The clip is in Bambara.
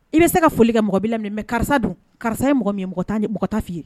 I bɛ se ka foli kɛ mɔgɔbi minɛ mɛ karisa don karisa ye mɔgɔ min mɔgɔta tan ni mɔgɔta'i ye